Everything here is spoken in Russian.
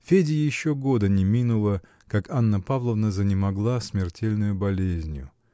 Феде еще году не минуло, как Анна Павловна занемогла смертельною болезнью.